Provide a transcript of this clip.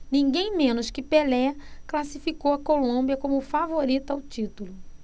ninguém menos que pelé classificou a colômbia como favorita ao título